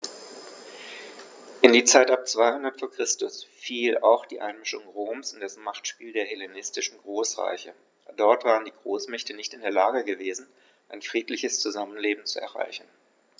In die Zeit ab 200 v. Chr. fiel auch die Einmischung Roms in das Machtspiel der hellenistischen Großreiche: Dort waren die Großmächte nicht in der Lage gewesen, ein friedliches Zusammenleben zu erreichen.